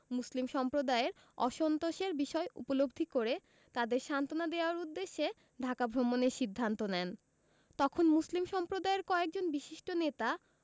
মুসলিম সম্প্রদায়ের অসন্তোষের বিষয় উপলব্ধি করে তাদের সান্ত্বনা দেওয়ার উদ্দেশ্যে ঢাকা ভ্রমণের সিদ্ধান্ত নেন তখন মুসলিম সম্প্রদায়ের কয়েকজন বিশিষ্ট নেতা